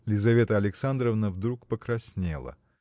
Лизавета Александровна вдруг покраснела.